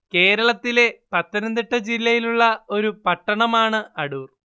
കേരളത്തിലെ പത്തനംതിട്ട ജില്ലയിലുള്ള ഒരു പട്ടണമാണ് അടൂർ